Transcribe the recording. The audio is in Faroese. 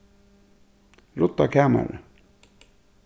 rudda kamarið